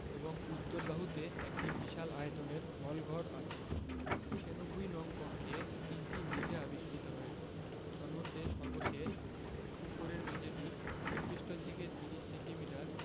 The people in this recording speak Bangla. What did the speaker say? এবং উত্তর বাহুতে একটি বিশাল আয়তনের হলঘর আছে ৯৬ নং কক্ষে তিনটি মেঝে আবিষ্কৃত হয়েছে তন্মধ্যে সর্বশেষ উপরের মেঝেটি ভূপৃষ্ঠ থেকে ৩০ সেন্টিমিটার